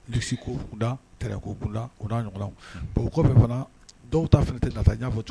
Lusi kougudaɛrɛ koda ɲɔgɔn bɛ fana dɔw ta feere tɛ la' fɔ cogo